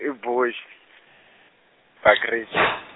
i- Bushbuckridge.